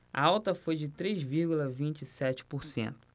a alta foi de três vírgula vinte e sete por cento